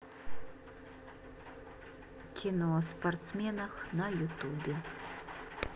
кино о спортсменах на ютубе